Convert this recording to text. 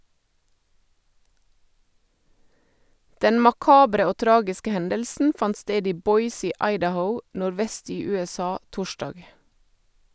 Den makabre og tragiske hendelsen fant sted i Boise i Idaho, nordvest i USA, torsdag.